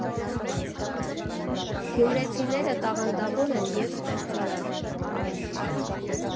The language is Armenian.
«Գյումրեցիները տաղանդավոր են և ստեղծարար»